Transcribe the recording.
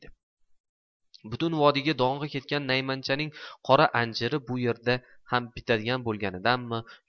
butun vodiyga dong'i ketgan naymanchaning qora anjiri bu yerda ham bitadigan bo'lganidanmi